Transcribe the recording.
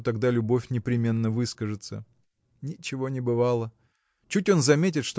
что тогда любовь непременно выскажется. Ничего не бывало. Чуть он заметит